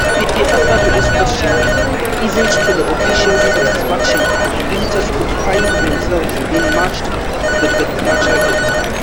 If the answer to this question isn’t to the official’s satisfaction, visitors could find themselves being marched back to the departure gate.